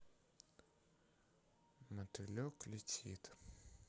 мотылек летит